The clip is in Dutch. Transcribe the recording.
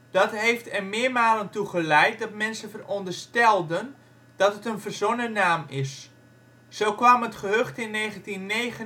Dat heeft er meermalen toe geleid dat mensen veronderstelden dat het een verzonnen naam is. Zo kwam het gehucht in 1999